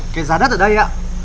cái giá đất ở đây ạ